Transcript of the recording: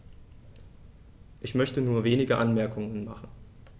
Ich möchte nur wenige Anmerkungen machen.